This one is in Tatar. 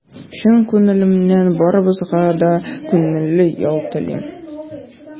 Чын күңелемнән барыгызга да күңелле ял телим!